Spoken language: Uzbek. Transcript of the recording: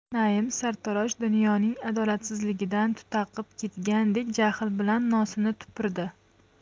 naim sartarosh dunyoning adolatsizligidan tutaqib ketgandek jahl bilan nosini tupurdi